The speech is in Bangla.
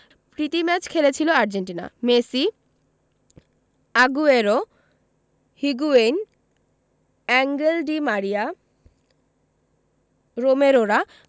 প্রীতি ম্যাচ খেলেছিল Argentina Messi Aguero Higuain Angel Di Maria রোমেরোরা